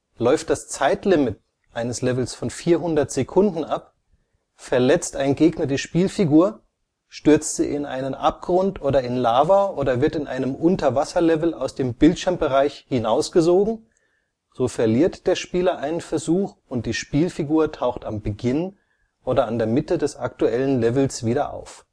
Läuft das Zeitlimit eines Levels von 400 Sekunden ab, verletzt ein Gegner die Spielfigur, stürzt sie in einen Abgrund oder in Lava oder wird in einem Unterwasser-Level aus dem Bildschirmbereich hinausgesogen, so verliert der Spieler einen Versuch und die Spielfigur taucht am Beginn oder an der Mitte des aktuellen Levels wieder auf